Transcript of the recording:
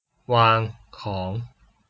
วางของ